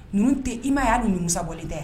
Ninnu tɛ i ma y'a numu musa wale dɛ